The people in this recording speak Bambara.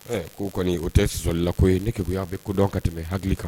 Ɛɛ' kɔni o tɛsisɔli la koyi ye nekibu'a bɛ kodɔn ka tɛmɛ hakili kan